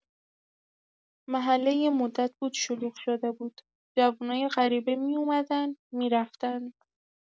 محله یه مدت بود شلوغ شده بود، جوونای غریبه می‌اومدن، می‌رفتن.